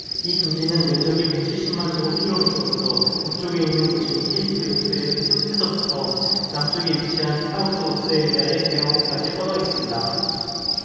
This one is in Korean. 이 분지는 면적이 백 칠십 만 제곱 킬로미터로서 북쪽에 있는 곶인 케이프요크의 끝에서부터 남쪽에 위치한 사우스오스트레일리아의 에어 호까지 뻗어 있습니다